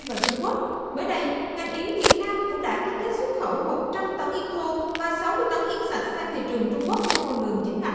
và trung quốc mới đây ngành yến việt nam cũng đã ký kết xuất khẩu một trăm tấn yến thô và sáu mươi tấn yến sạch sang thị trường trung quốc theo con đường chính ngạch